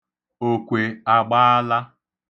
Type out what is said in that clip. Okwe agbaala.